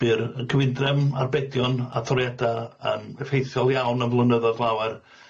By'r y- cyfundrem arbedion a toriada yn effeithiol iawn am flynyddodd lawer.